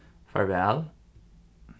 farvæl